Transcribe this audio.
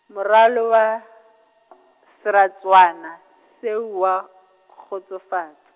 moralo wa , seratswana, seo oa, kgotsofatsa.